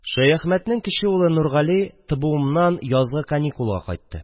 Шәяхмәтнең кече улы Нургали ТБУМнан язгы каникулга кайтты